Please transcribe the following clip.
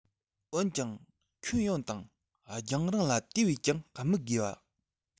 འོན ཀྱང ཁྱོན ཡོངས དང རྒྱང རིང ལ དེ བས ཀྱང དམིགས དགོས བ